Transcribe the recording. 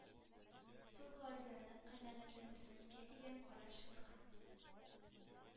Суд гаризаны канәгатьләндермәскә дигән карар чыгарган.